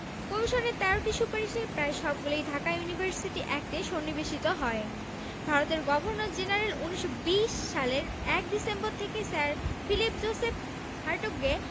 কমিশনের ১৩টি সুপারিশের প্রায় সবগুলিই ঢাকা ইউনিভার্সিটি অ্যাক্টে সন্নিবেশিত হয় ভারতের গভর্নর জেনারেল ১৯২০ সালের ১ ডিসেম্বর থেকে স্যার ফিলিপ জোসেফ হার্টগকে